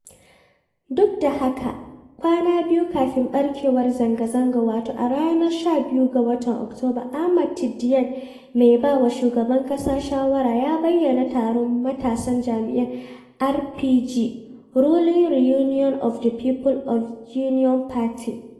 Duk da haka, kwana biyu kafin ɓarkewar zanga-zangar wato a ranar 12 ga watan Oktoba, Ahmed Tidiane, mai ba wa shugaban ƙasa shawara, ya bayyanawa taron matasan jam'iyyar RPG [ruling Reunion of the People of Guinea party]: